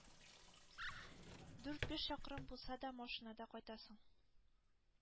Дүрт-биш чакрым булса да машинада кайтасың...